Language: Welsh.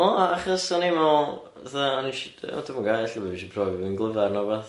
Wel achos o'n i'n me'l fatha o'n i is- o dwi'm yn gwbo ella bo' fi 'sio profi bo fi'n glyfar ne wbath.